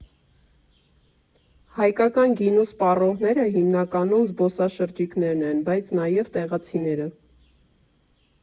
Հայկական գինու սպառողները հիմնականում զբոսաշրջիկներն են, բայց նաև տեղացիները։